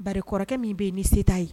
Ba kɔrɔkɛ min bɛ yen ni seta ye